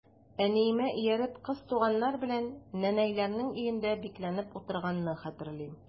Әниемә ияреп, кыз туганнар белән нәнәйләрнең өендә бикләнеп утырганны хәтерлим.